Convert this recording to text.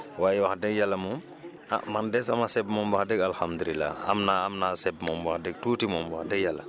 waaye wax dëgg yàlla moom ah man de sama sëb moom wax dëgg alhamdulilah am naa am naa sëb moom wax dëgg tuuti moom wax dëgg yàlla